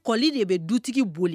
Kɔli de bɛ dutigi boli